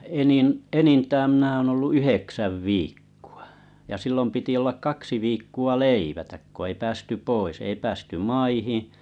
enin enintään minä olen ollut yhdeksän viikkoa ja silloin piti olla kaksi viikkoa leivättä kun ei päästy pois ei päästy maihin